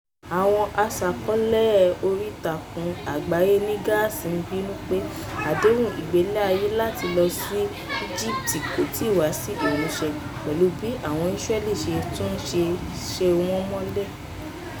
Àwọn aṣàkọọ́lẹ̀ oríìtakùn àgbáyé ní Gaza ń bínú pé àdéhùn ìgbàláàyè láti lọ sí Egypt kò tíì wá sí ìmúṣẹ, pẹ̀lú bí àwọn Isreali sì tún ṣe sé wọn mọ́lé.